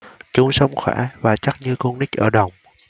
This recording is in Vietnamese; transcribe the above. chúng sống khỏe và chắc như con nít ở đồng